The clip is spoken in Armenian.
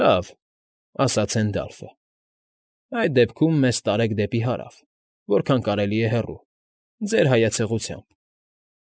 Լավ,֊ ասաց Հենդալֆը,֊ այդ դեպքում մեզ տարեք դեպի հարավ, որքան կարելի է հեռու, ձեր հայեցողությամբ։